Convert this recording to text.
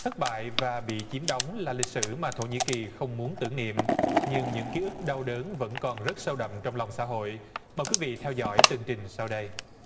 thất bại và bị chiếm đóng là lịch sử mà thổ nhĩ kỳ không muốn tưởng niệm nhưng những ký ức đau đớn vẫn còn rất sâu đậm trong lòng xã hội mời quý vị theo dõi tường trình sau đây